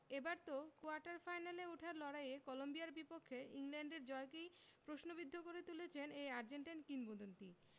এবার তো কোয়ার্টার ফাইনালে ওঠার লড়াইয়ে কলম্বিয়ার বিপক্ষে ইংল্যান্ডের জয়কেই প্রশ্নবিদ্ধ করে তুলেছেন এই আর্জেন্টাইন কিংবদন্তি